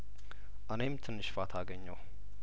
እኔም ትንሽ ፋታ አገኘሁ